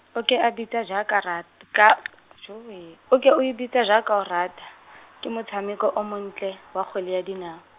o ke a bitsa jaaka a rat-, ka , o ke o e bitse jaaka o rata, ke motshameko o montle, wa kgwele ya dinao.